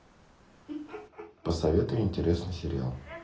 посоветуй интересный сериал